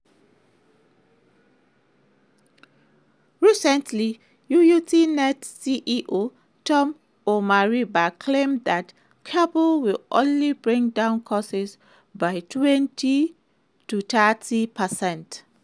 Recently UUnet CEO Tom Omariba claimed that cables will only bring down costs by 20-30 percent.